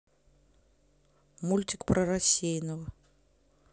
мультик про рассеянного